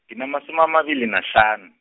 nginamasumi amabili, nahlanu.